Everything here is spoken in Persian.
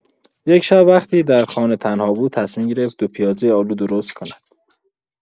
یک شب، وقتی در خانه تنها بود، تصمیم گرفت دوپیازه‌آلو درست کند.